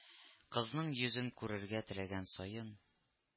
Кызның йөзен күрергә теләгән саен